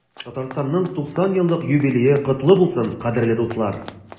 Татарстанның 90 еллык юбилее котлы булсын, кадерле дуслар!